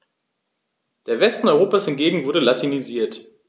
Der Westen Europas hingegen wurde latinisiert.